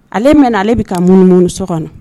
Ale mɛn na ale bɛ ka mununu so kɔnɔ